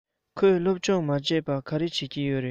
ཁོས སློབ སྦྱོང མ བྱས པར ག རེ བྱེད ཀྱི ཡོད རས